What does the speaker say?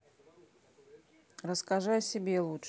расскажи о себе лучше